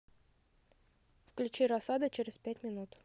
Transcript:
включи рассада через пять минут